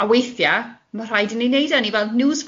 A weithiau, ma' rhaid i ni 'neud e, o'n ni fel news